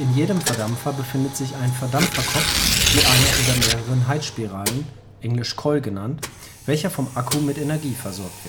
jedem Verdampfer befindet sich ein Verdampferkopf mit ein oder mehreren Heizspiralen (englisch: coil), welcher vom Akku mit Energie versorgt